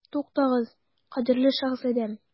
Туктагыз, кадерле шаһзадәм.